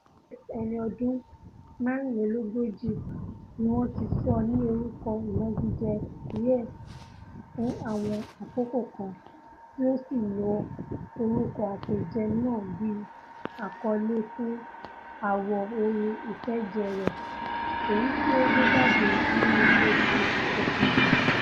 West, ẹni ọdún mẹ́rinlélógójì, ni wọ́n ti sọ ní orúkọ ìnagijẹ Ye fún àwọn àkókò kan tí ó sì lo orúkọ àpèjẹ́ náà bíi àkọlé fún àwo orin ìkẹjọ rẹ̀, èyití ó gbéjáde nínú oṣù Òkúdu.